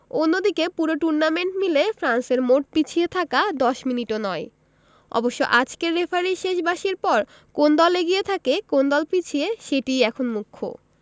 অন্যদিকে পুরো টুর্নামেন্ট মিলে ফ্রান্সের মোট পিছিয়ে থাকা ১০ মিনিটও নয় অবশ্য আজকের রেফারির শেষ বাঁশির পর কোন দল এগিয়ে থাকে কোন দল পিছিয়ে সেটিই এখন মুখ্য